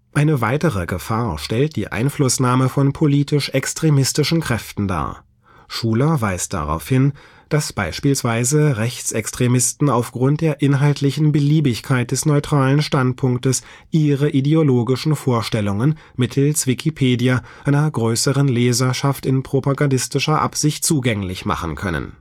Eine weitere Gefahr stellt die Einflussnahme von politisch extremistischen Kräften dar. Schuler weist darauf hin, dass beispielsweise Rechtsextremisten aufgrund der „ inhaltlichen Beliebigkeit “des „ neutralen Standpunkts “ihre ideologischen Vorstellungen mittels Wikipedia einer größeren Leserschaft in propagandistischer Absicht zugänglich machen können